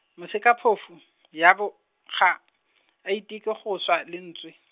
Mosekaphofu , yabo, ga , a iteke go swa lentswe.